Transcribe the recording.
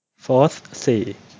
โฟธสี่